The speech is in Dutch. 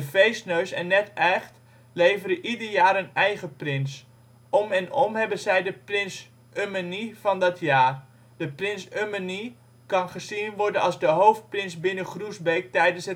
Feestneus en Net Aecht leveren ieder jaar een eigen prins. Om en om hebben zij de prins ' Ummenie ' van dat jaar. De prins ' Ummenie ' kan gezien worden als de hoofdprins binnen Groesbeek tijdens